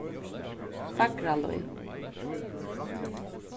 fagralíð